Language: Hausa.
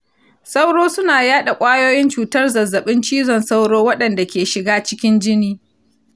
sauro suna yaɗa ƙwayoyin cutar zazzaɓin cizon sauro waɗanda ke shiga cikin jini.